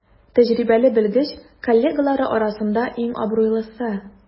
Тәҗрибәле белгеч коллегалары арасында иң абруйлысы.